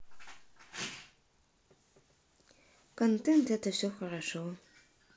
контент это все хорошо